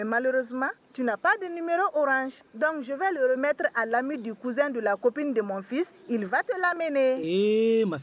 Rosuman tp de nie o2 mɛt a lami de kunsan de la kopi de02 fatɛ lamɛn de masa